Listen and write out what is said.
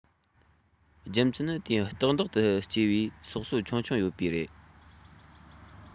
རྒྱུ མཚན ནི དེའི སྟེང ལྡོག ཏུ སྐྱེས པའི སོག སོ ཆུང ཆུང ཡོད པས རེད